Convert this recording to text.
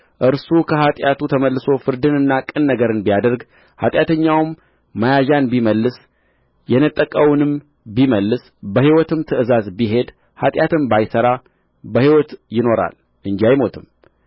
እርሱ ከኃጢአቱ ተመልሶ ፍርድንና ቅን ነገርን ቢያደርግ ኃጢአተኛውም መያዣን ቢመልስ የነጠቀውንም ቢመልስ በሕይወትም ትእዛዝ ቢሄድ ኃጢአትም ባይሠራ በሕይወት ይኖራል እንጂ አይሞትም